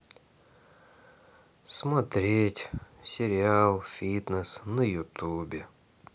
смотреть сериал фитнес на ютубе